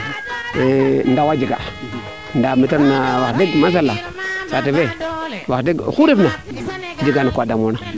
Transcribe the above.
ndawa jee ndaa mene te ref na wax deg saate fewax deg oxu refna jega no kaa damoona